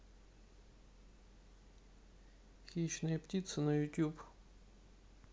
хищные птицы на ютуб